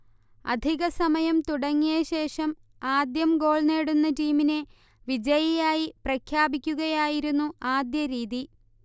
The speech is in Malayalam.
അധിക സമയം തുടങ്ങിയ ശേഷം ആദ്യം ഗോൾ നേടുന്ന ടീമിനെ വിജയിയായി പ്രഖ്യാപിക്കുകയായിരുന്നു ആദ്യ രീതി